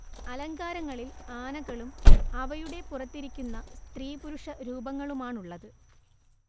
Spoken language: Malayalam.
അലങ്കാരങ്ങളിൽ ആനകളും അവയുടെ പുറത്തിരിക്കുന്ന സ്ത്രീപുരുഷ രൂപങ്ങളുമാണുള്ളത്